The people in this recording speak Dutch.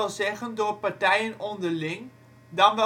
zeggen door partijen onderling, dan